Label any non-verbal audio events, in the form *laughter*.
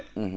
*hesitation* *hesitation*